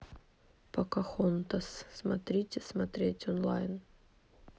покахонтас смотрите смотреть онлайн